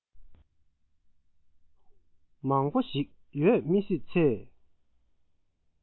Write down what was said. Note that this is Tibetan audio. མང པོ ཞིག ཡོད མི སྲིད ཚེ